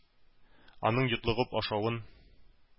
Аның йотлыгып ашавын,